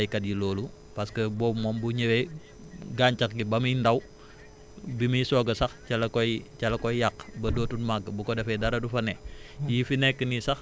sonalul béykat yi loolu parce que boobu moom bu ñëwee gàncax gi ba muy ndaw bi muy soog a sax ca la koy ca la koy yàq ba dootul màgg bu ko defee dara du fa ne